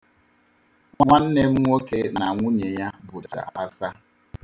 Nwanne m nwoke na nwunye ya bụcha asa.